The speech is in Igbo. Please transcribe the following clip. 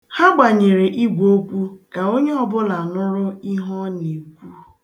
Ha gbanyere igwookwu ka onye ọbụla nụrụ ihe ọ na-ekwu.